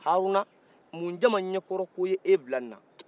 haruna mun jama ɲɛkɔrɔko ye e bila nin na